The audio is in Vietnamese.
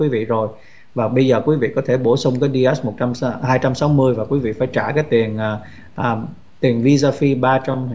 quý vị rồi và bây giờ quý vị có thể bổ sung một trăm hai trăm sáu mươi và quý vị phải trả cái tiền án tiền visa phi ba trăm